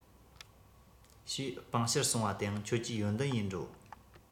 ཞེས སྤང བྱར གསུངས པ དེ ཡང ཁྱོད ཀྱི ཡོན ཏན ཡིན འགྲོ